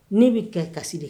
Ne bɛka kasi de.